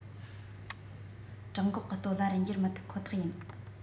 གྲང འགོག གི སྟོད ལྭ རུ འགྱུར མི ཐུབ ཁོ ཐག ཡིན